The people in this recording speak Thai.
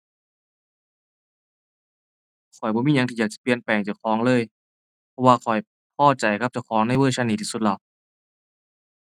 ข้อยบ่มีหยังที่อยากสิเปลี่ยนแปลงเจ้าของเลย เพราะว่าข้อยพอใจกับเจ้าของในเวอร์ชันนี้ที่สุดแล้ว